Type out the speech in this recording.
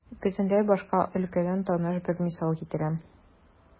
Бөтенләй башка өлкәдән таныш бер мисал китерәм.